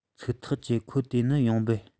ཚིག ཐག བཅད ཁོས དེ ནི ཡོང འབབ